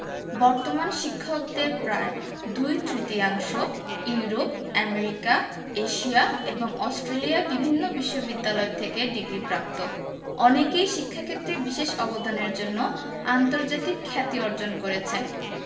বর্তমান শিক্ষকদের প্রায় দুই তৃতীয়াংশ ইউরোপ এমেরিকা এশিয়া এবং অস্ট্রেলিয়ার বিভিন্ন বিশ্ববিদ্যালয় থেকে ডিগ্রিপ্রাপ্ত অনেকেই শিক্ষাক্ষেত্রে বিশেষ অবদানের জন্য আন্তর্জাতিক খ্যাতি অর্জন করেছেন